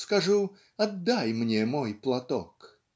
Скажу: "Отдай мне мой платок".